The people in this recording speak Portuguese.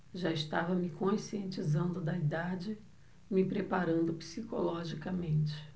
já estava me conscientizando da idade e me preparando psicologicamente